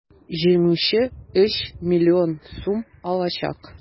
Җиңүче 3 млн сум алачак.